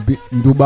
xa axa xe